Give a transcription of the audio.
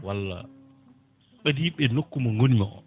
walla ɓadiɓe nokku mo gonmi o